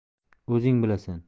o'zing bilasan